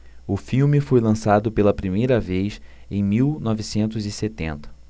o filme foi lançado pela primeira vez em mil novecentos e setenta